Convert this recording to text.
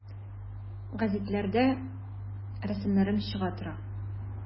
Гәзитләрдә рәсемнәрем чыга тора.